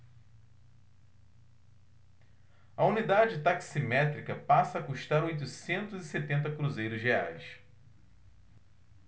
a unidade taximétrica passa a custar oitocentos e setenta cruzeiros reais